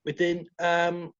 Wedyn yym